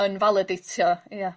yn validatio ie.